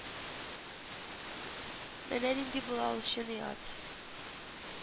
Менә нинди була ул чын и ат